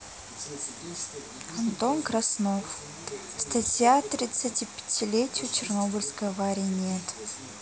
антон краснов статья тридцатипятилетию чернобыльской аварии нет